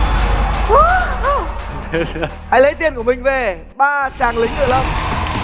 hãy lấy tiền của mình về ba chàng lính ngự lâm